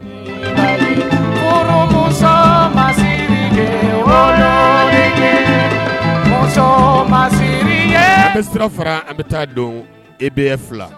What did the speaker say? Sira fara an bɛ taa don i bɛ fila